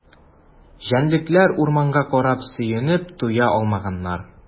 Җәнлекләр урманга карап сөенеп туя алмаганнар.